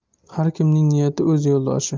har kimning niyati o'z yo'ldoshi